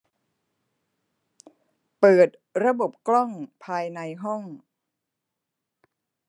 เปิดระบบกล้องภายในห้อง